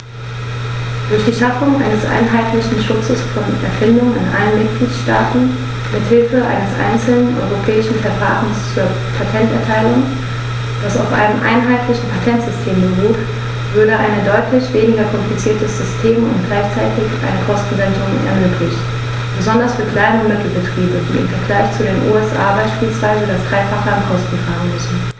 Durch die Schaffung eines einheitlichen Schutzes von Erfindungen in allen Mitgliedstaaten mit Hilfe eines einzelnen europäischen Verfahrens zur Patenterteilung, das auf einem einheitlichen Patentsystem beruht, würde ein deutlich weniger kompliziertes System und gleichzeitig eine Kostensenkung ermöglicht, besonders für Klein- und Mittelbetriebe, die im Vergleich zu den USA beispielsweise das dreifache an Kosten tragen müssen.